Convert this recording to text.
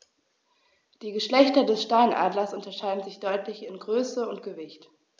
Die Geschlechter des Steinadlers unterscheiden sich deutlich in Größe und Gewicht.